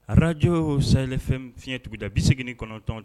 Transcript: Araj o saylafɛn fiɲɛtigida bi segin kɔnɔntɔn